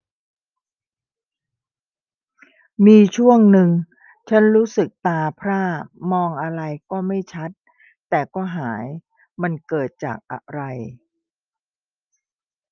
มีช่วงนึงฉันรู้สึกตาพร่ามองอะไรก็ไม่ชัดแต่ก็หายมันเกิดจากอะไร